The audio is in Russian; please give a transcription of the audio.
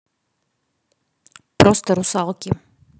просто русалки